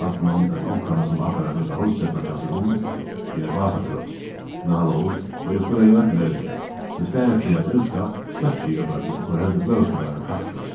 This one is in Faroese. barninum ella onkran sum ætlar at býta hálsketuna hjá sær um við eitt gásarkrov men halló okur skula jú øll vera her so í staðin fyri at ilskast sløkki eg útvarpið og koyri heldur fløguspælaran hart frá